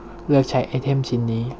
เลือกใช้ไอเทมชิ้นนี้